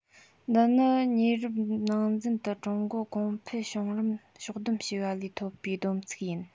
འདི ནི ཉེ རབས ནང ཚུན དུ ཀྲུང གོ གོང འཕེལ བྱུང རིམ ཕྱོགས བསྡོམས བྱས པ ལས ཐོབ པའི བསྡོམས ཚིག ཡིན